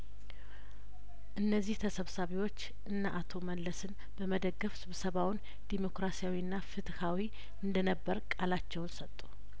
እነዚህ ተሰብሳቢዎች እነ አቶ መለስን በመደገፍ ስብሰባውን ዴሞክራሲያዊና ፍትሀዊ እንደነበር ቃላቸውን ሰጡ